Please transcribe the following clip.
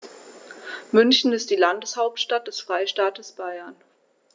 München ist die Landeshauptstadt des Freistaates Bayern.